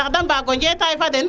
ndax de mbago jetày fa den